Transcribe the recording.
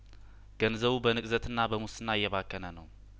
ገንዘቡ በንቅዘትና በሙስና እየባከነ ነው